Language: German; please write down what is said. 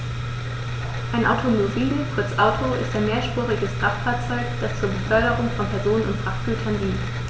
Ein Automobil, kurz Auto, ist ein mehrspuriges Kraftfahrzeug, das zur Beförderung von Personen und Frachtgütern dient.